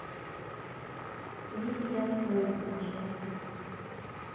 привет выключи